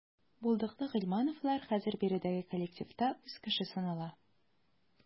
Булдыклы гыйльмановлар хәзер биредәге коллективта үз кеше санала.